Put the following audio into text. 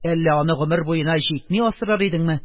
Әллә аны гомер буена җикми асрар идеңме?